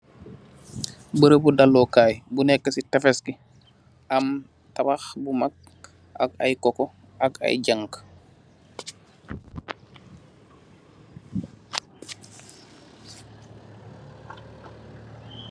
Barabi dallukai bu nekka ci tefes ngi , am tabax bu mat, ak ay koko ak ay jank.